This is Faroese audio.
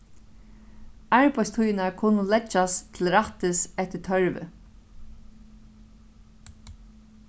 arbeiðstíðirnar kunnu leggjast til rættis eftir tørvi